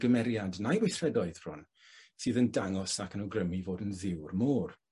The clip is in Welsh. gymeriad na'i weithredoedd rhŵan sydd yn dangos ac yn awgrymu 'i fod yn dduw'r môr.